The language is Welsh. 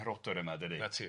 'Na ti.